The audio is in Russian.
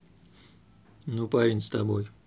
ну парень с тобой